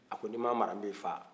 a ko n'i ma mara n b'i faga